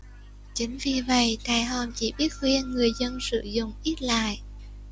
chính vì vậy trại hòm chỉ biết khuyên người dân sử dụng ít lại